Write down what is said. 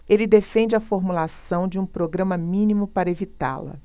ele defende a formulação de um programa mínimo para evitá-la